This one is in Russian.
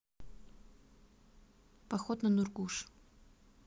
поход на нургуш